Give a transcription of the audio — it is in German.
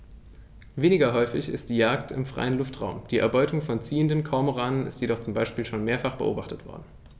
Weniger häufig ist die Jagd im freien Luftraum; die Erbeutung von ziehenden Kormoranen ist jedoch zum Beispiel schon mehrfach beobachtet worden.